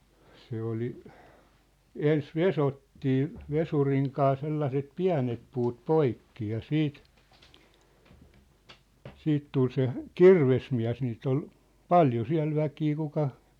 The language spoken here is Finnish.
se oli ensin vesottiin vesurin kanssa sellaiset pienet puut poikki ja sitten sitten tuli se kirvesmies niitä oli paljon siellä väkeä kuka